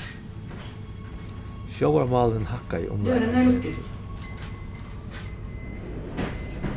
sjóvarmálin hækkaði umleið ein metur